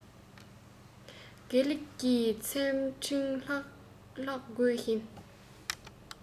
དགེ ལེགས ཀྱི ཚེམས ཕྲེང ལྷག ལྷག དགོད བཞིན